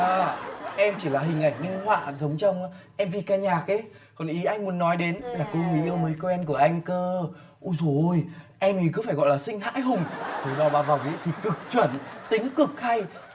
ờ em chỉ là hình ảnh minh họa giống trong em vi ca nhạc ý còn ý anh muốn nói đến là cô người yêu mới quen của anh cơ ui dồi ôi em ý cứ phải gọi là xinh hãi hùng số đo ba vòng ý thì cực chuẩn tính cực hay